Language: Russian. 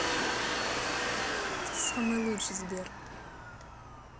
ты самый лучший сбер